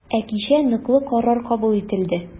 Ә кичә ныклы карар кабул ителде.